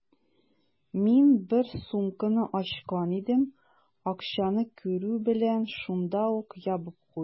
Мин бер сумканы ачкан идем, акчаны күрү белән, шунда ук ябып куйдым.